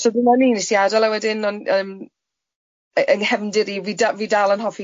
So dyna ni, wnes i adael a wedyn o'n yym yy yng nghefndir i fi da- fi dal yn hoffi